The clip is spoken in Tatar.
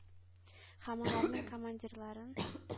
Һәм аларның командирларын